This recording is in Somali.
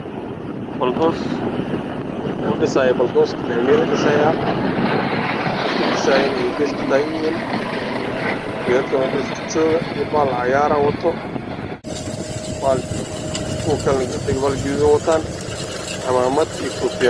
Waa baldoos oo laami dhisasyo